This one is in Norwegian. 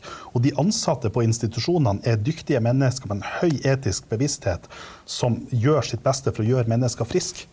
og de ansatte på institusjonene er dyktige mennesker med en høy etisk bevissthet som gjør sitt beste for å gjøre mennesker friske.